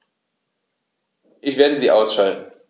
Ich werde sie ausschalten